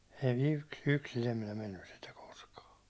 en - yksin en minä mennyt sentään koskaan